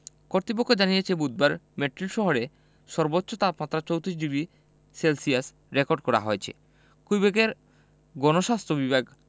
কর্তৃপক্ষ জানিয়েছে বুধবার মেট্রিল শহরে সর্বোচ্চ তাপমাত্রা ৩৪ ডিগ্রি সেলসিয়াস রেকর্ড করা হয়েছে কুইবেকের গণস্বাস্থ্য বিভাগ